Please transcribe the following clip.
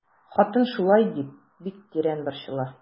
Хатын шулай дип бик тирән борчыла.